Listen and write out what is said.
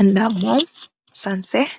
anda ak momm sanseh.